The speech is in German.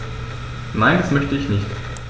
Nein, das möchte ich nicht.